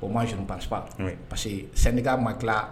O ma son panfa parce que sanni ma tila